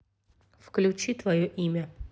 включи твое имя